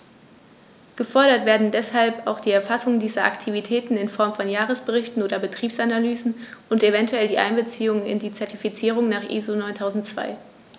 Gefordert werden deshalb auch die Erfassung dieser Aktivitäten in Form von Jahresberichten oder Betriebsanalysen und eventuell die Einbeziehung in die Zertifizierung nach ISO 9002.